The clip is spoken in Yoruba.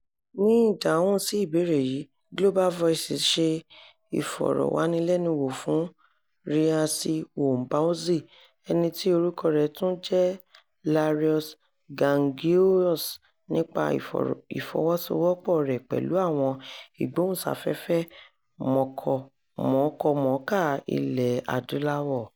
Ní ìdáhùn sí ìbéèrè yìí, Global Voices ṣe ìfọ̀rọ̀wánilẹ́nuwò fún Réassi Ouabonzi, ẹni tí orúkọ rẹ̀ tún ún jẹ́ Lareus Gangoueus nípa ìfọwọ́sowọ́pọ̀ rẹ̀ pẹ̀lú àwọn ìgbóhùnsáfẹ́fẹ́ mọ̀ọ́kọmọ̀ọ́kà Ilẹ̀ Adúláwò.